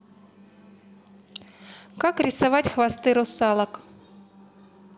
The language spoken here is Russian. как рисовать хвосты русалок